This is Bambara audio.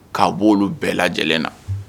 K'a b'olu bɛɛ lajɛlen na